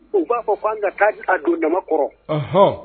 U k'a fɔ kan ka taa a don ɲama kɔrɔ. Ɔhɔn!